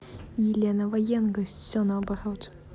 елена ваенга все наоборот